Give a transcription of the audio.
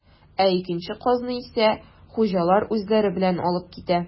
Ә икенче казны исә хуҗалар үзләре белән алып китә.